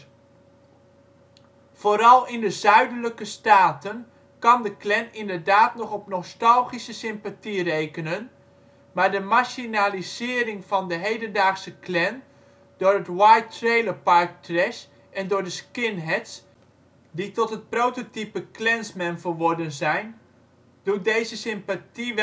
Vooral in de Zuidelijke staten kan de Klan inderdaad nog op nostalgische sympathie rekenen, maar de marginalisering van de hedendaagse Klan door het White Trailer Park Trash en door de skinheads - die tot het protype Klansmen verworden zijn - doet deze sympathie